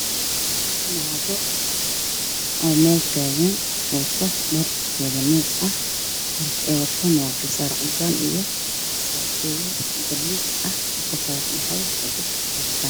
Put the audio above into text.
Waa wado waxaa taaganahay safka ku jiraan oo wataan dhar calama ah waxay kor u taagayaan maro ay ku saaran yahay calan